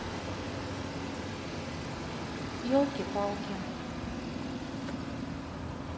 елки палки